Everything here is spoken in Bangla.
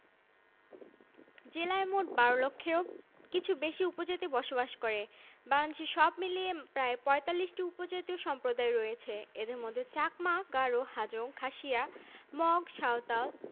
২০০৮ সালের জরিপ অনুযায়ী সরকারি বিশ্ববিদ্যালয় ৩১টি বেসরকারি বিশ্ববিদ্যালয় ৫১টি সরকারি মেডিকেল কলেজ ১৮টি বেসরকারি মেডিকেল কলেজ ৪১টি